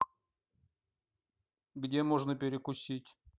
где можно перекусить